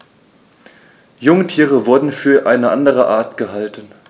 Jungtiere wurden für eine andere Art gehalten.